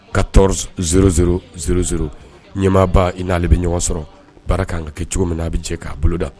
Ka tɔɔrɔ szz ɲɛmaaba in n'ale bɛ ɲɔgɔn sɔrɔ baara' kan ka kɛ cogo min n'a bɛ jɛ k'a bolo da